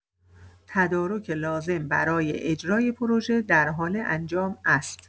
تدارک لازم برای اجرای پروژه در حال انجام است.